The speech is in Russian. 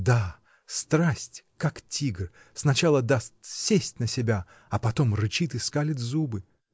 Да — страсть, как тигр, сначала даст сесть на себя, а потом рычит и скалит зубы.